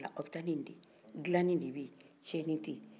aw bɛ ta ni nin de ye dilanin de beye ciɲɛn tɛ ye